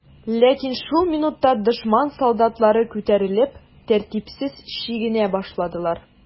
Ләкин шул минутта дошман солдатлары күтәрелеп, тәртипсез чигенә башладылар.